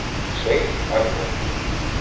шейх альмувты